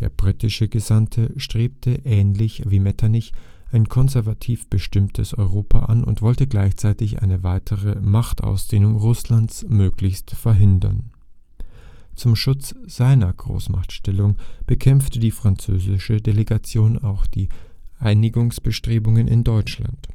britische Gesandte strebte, ähnlich wie Metternich, ein konservativ bestimmtes Europa an und wollte gleichzeitig eine weitere Machtausdehnung Russlands möglichst verhindern. Zum Schutz seiner Großmachtstellung bekämpfte die französische Delegation auch die Einigungsbestrebungen in Deutschland